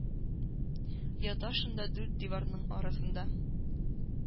Ята шунда дүрт диварның арасында.